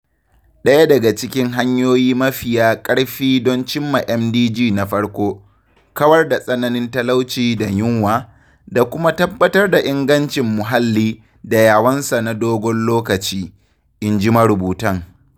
“Ɗaya daga cikin hanyoyi mafiya ƙarfi don cimma MDG na farko - kawar da tsananin talauci da yunwa - da kuma tabbatar da ingancin muhalli da yawansa na dogon lokaci,” in ji marubutan.